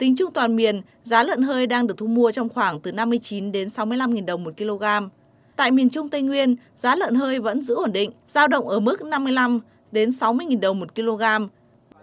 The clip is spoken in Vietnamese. tính chung toàn miền giá lợn hơi đang được thu mua trong khoảng từ năm mươi chín đến sáu mươi lăm nghìn đồng một ki lô gam tại miền trung tây nguyên giá lợn hơi vẫn giữ ổn định dao động ở mức năm mươi lăm đến sáu mươi nghìn đồng một ki lô gam